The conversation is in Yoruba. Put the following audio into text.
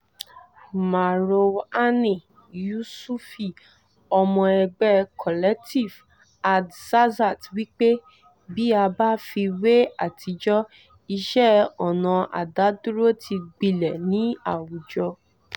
Marouane Youssoufi, ọmọ ẹgbẹ́ Collectif Hardzazat wí pé, "Bí a bá fi wé àtijọ́, iṣẹ́ ọnà adádúró ti gbilẹ̀ ní àwùjọ".